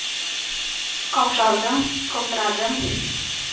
Каушадым, калтырадым: